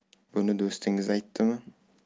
buni do'stingiz aytdimi